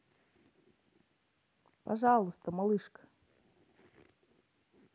пожалуйста малышка